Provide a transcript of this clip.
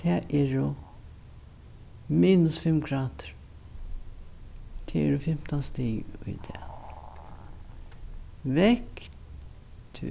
tað eru minus fimm gradir tað eru fimtan stig í dag vekt